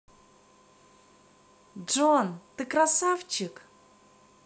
джон ты красавчик